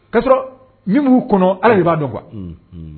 Kaasɔrɔ min b'u kɔnɔ ala de b'a dɔn kuwa